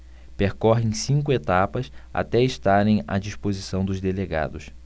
percorrem cinco etapas até estarem à disposição dos delegados